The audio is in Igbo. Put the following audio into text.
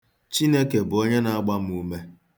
Chineke bụ onye na-agba m ume.